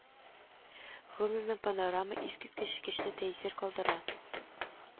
Гомумән, панорама искиткеч көчле тәэсир калдыра